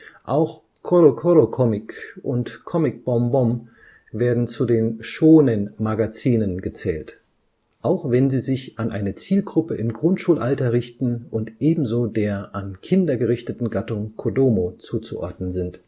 Auch CoroCoro Comic und Comic Bombom werden zu den Shōnen-Magazinen gezählt, auch wenn sie sich an eine Zielgruppe im Grundschulalter richten und ebenso der an Kinder gerichteten Gattung Kodomo zuzuordnen sind